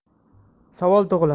savol tug'iladi